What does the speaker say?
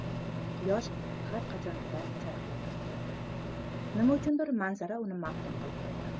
nima uchundir manzara uni maftun qilib qo'ydi